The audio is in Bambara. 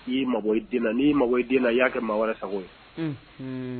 I mabɔ i n i ye mabɔ i denna i y'a kɛ mɔgɔ wɛrɛ sago ye